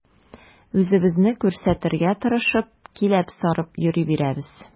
Үзебезне күрсәтергә тырышып, киләп-сарып йөри бирәбез.